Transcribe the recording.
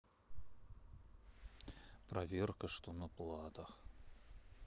проверка что на платах